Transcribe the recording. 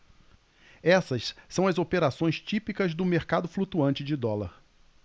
essas são as operações típicas do mercado flutuante de dólar